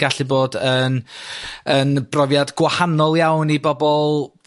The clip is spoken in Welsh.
gallu bod yn yn brofiad gwahanol iawn i bobol